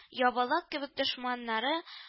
Ябалак кебек дошманнары